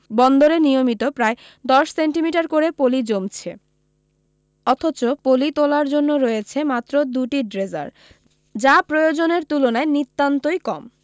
বন্দরে নিয়মিত প্রায় দশ সেন্টিমিটার করে পলি জমছে অথচ পলি তোলার জন্য রয়েছে মাত্র দু টি ড্রেজার যা প্রয়োজনের তুলনায় নিতান্তই কম